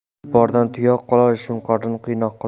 tulpordan tuyoq qolar shunqordan qiyoq qolar